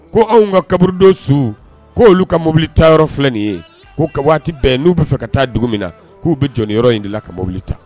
Ko anw ka kaburudon su k' olu ka mobili ta yɔrɔ filɛ nin ye' ka waati bɛn n'u bɛ fɛ ka taa dugu min na k'u bɛ jɔnni yɔrɔ in de la ka mobili ta